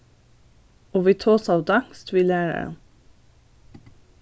og vit tosaðu danskt við læraran